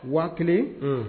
Waati kelen